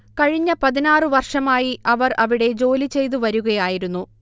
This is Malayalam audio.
കഴിഞ്ഞ പതിനാറ് വർഷമായി അവർഅവിടെ ജോലി ചെയ്ത് വരുകയായിരുന്നു